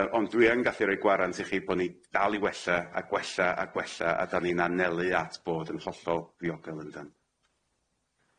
Yy ond dwi yn gallu roi gwarant i chi bo' ni dal i wella a gwella a gwella a dan ni'n anelu at bod yn hollol ddiogel yndan?